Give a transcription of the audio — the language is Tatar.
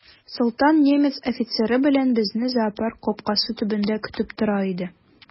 Солтан немец офицеры белән безне зоопарк капкасы төбендә көтеп тора иде.